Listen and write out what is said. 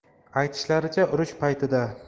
aytishlaricha urush paytida